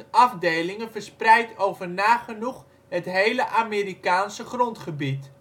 afdelingen verspreid over nagenoeg het hele Amerikaanse grondgebied